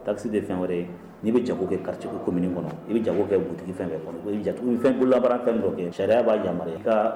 Takisi de fɛn wɛrɛ ye n'i bɛ jago kɛ karic ko min kɔnɔ i bɛ jago kɛ butigi fɛn fɛ kɔnɔ o ja fɛn kolabarara fɛn dɔ kɛ sariya b'a yama